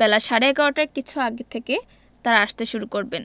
বেলা সাড়ে ১১টার কিছু আগে থেকে তাঁরা আসতে শুরু করবেন